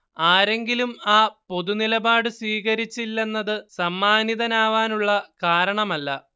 ആരെങ്കിലും ആ പൊതുനിലപാട് സ്വീകരിച്ചില്ലെന്നത് സമ്മാനിതനാവാനുള്ള കാരണമല്ല